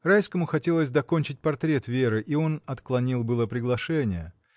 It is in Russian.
Райскому хотелось докончить портрет Веры, и он отклонил было приглашение.